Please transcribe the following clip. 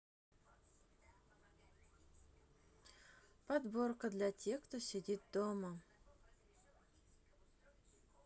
подборка для тех кто сидит дома